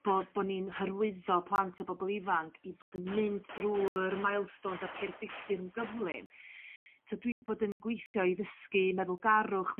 bo bo'n ni'n hyrwyddo plant a bobol ifanc i fod yn mynd drw'r milestones a'r cerrig filltir yn gyflym t'od dw 'di bod yn gweithio i ddysgu meddwlgarwch